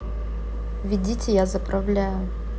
видите я заправляю